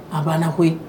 A banna koyi